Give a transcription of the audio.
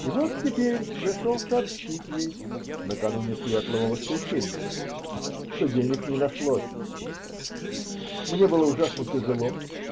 И вот теперь я шел сообщить ей -- накануне Светлого Воскресенья, -- что денег не нашлось. Мне было ужасно тяжело.